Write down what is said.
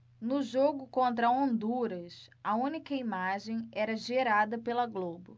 no jogo contra honduras a única imagem era gerada pela globo